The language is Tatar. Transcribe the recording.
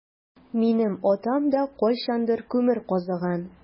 Минем атам да кайчандыр күмер казыган.